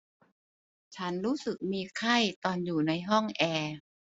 ฉันรู้สึกมีไข้ตอนอยู่ในห้องแอร์